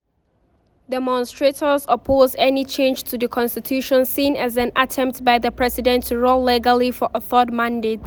Demonstrators oppose any change to the constitution seen as an attempt by the president to run legally for a third mandate.